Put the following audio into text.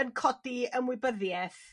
yn codi ymwybyddieth